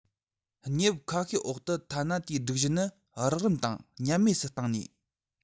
གནས བབ ཁ ཤས འོག ཏུ ཐ ན དེའི སྒྲིག གཞི ནི རགས རིམ དང ཉམས དམས སུ བཏང ནས